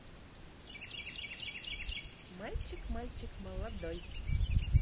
мальчик мальчик молодой